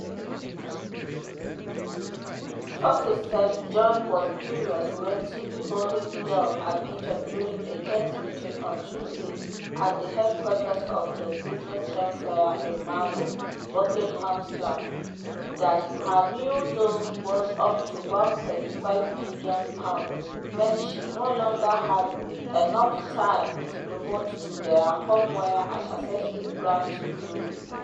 Sources say Jones was "furious" when TV's golden girl admitted during a tense meeting on Tuesday at the headquarters of his business empire in Marlow, Buckinghamshire, that her new deals - worth up to £1.5 million - meant she no longer had enough time to devote to their homewear and accessories brand Truly.